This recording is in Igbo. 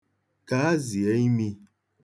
Gaa zie imi.